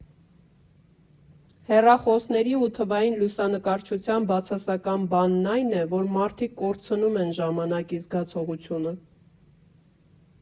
Հեռախոսների ու թվային լուսանկարչության բացասական բանն այն է, որ մարդիկ կորցնում են ժամանակի զգացողությունը։